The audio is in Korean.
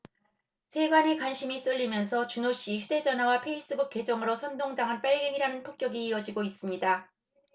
세간의 관심이 쏠리면서 준호씨 휴대전화와 페이스북 계정으로 선동 당한 빨갱이라는 폭격이 이어지고 있습니다